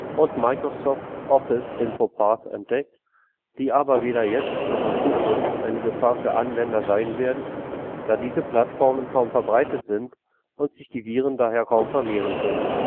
und Microsoft Office Infopath entdeckt, die aber weder jetzt noch in Zukunft eine Gefahr für Anwender sein werden, da diese Plattformen kaum verbreitet sind und sich die Viren daher kaum vermehren können